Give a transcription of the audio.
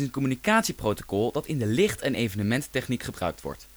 communicatieprotocol dat in de licht - en evenementtechniek gebruikt wordt